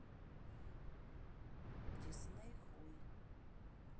disney хуй